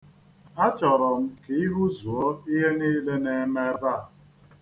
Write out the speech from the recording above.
Achọrọ m ka i hụzuo ihe niile na-eme ebea.